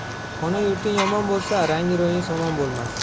ona yurting omon bo'lsa rangi ro'ying somon bo'lmas